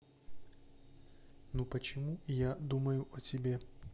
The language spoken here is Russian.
ну почему я думаю о тебе